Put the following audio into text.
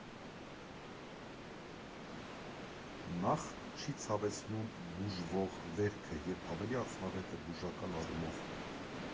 Նախ, չի ցավեցնում բուժվող վերքը և ավելի արդյունավետ է բուժական առումով։